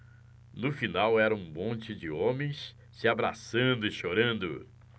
no final era um monte de homens se abraçando e chorando